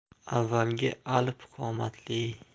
avvalgi alp qomatli